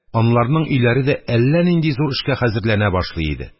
Анларның өйләре дә әллә нинди зур эшкә хәзерләнә башлый иде.